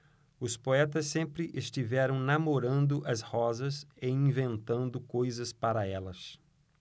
os poetas sempre estiveram namorando as rosas e inventando coisas para elas